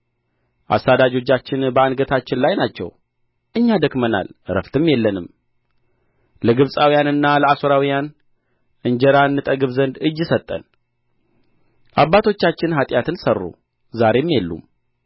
አሳዳጆቻችን በአንገታችን ላይ ናቸው እኛ ደክመናል ዕረፍትም የለንም ለግብጻውያንና ለአሦራውያን እንጀራ እንጠግብ ዘንድ እጅ ሰጠን አባቶቻችን ኃጢአትን ሠሩ ዛሬም የሉም